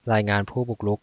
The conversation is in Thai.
รายงานผู้บุกรุก